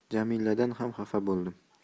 jamiladan ham xafa bo'ldim